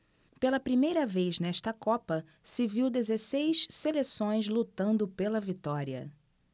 pela primeira vez nesta copa se viu dezesseis seleções lutando pela vitória